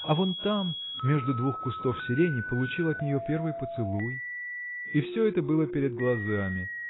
А вон там, между двух кустов сирени, получил от нее первый поцелуй. И все это было перед глазами.